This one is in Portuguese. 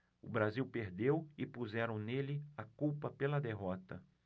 o brasil perdeu e puseram nele a culpa pela derrota